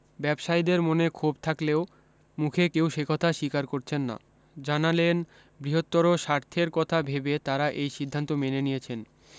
ব্যবসায়ীদের মনে ক্ষোভ থাকলেও মুখে কেউ সেকথা স্বীকার করছেন না জানালেন বৃহত্তর স্বার্থের কথা ভেবে তারা এই সিদ্ধান্ত মেনে নিয়েছেন